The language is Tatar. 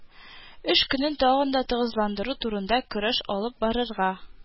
Эш көнен тагын да тыгызландыру турында көрәш алып барырга